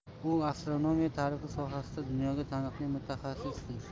u astronomiya tarixi sohasida dunyoga taniqli mutaxassisdir